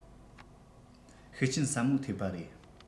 ཤུགས རྐྱེན ཟབ མོ ཐེབས པ རེད